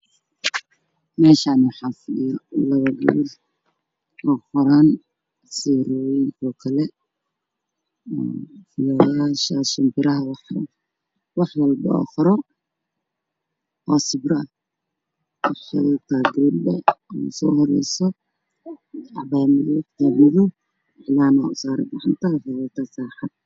Meeshan waxaa ku jiro laba nin oo qoro wax walba oo sawiro shumbiro iyo xayawaano